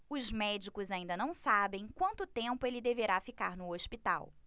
os médicos ainda não sabem quanto tempo ele deverá ficar no hospital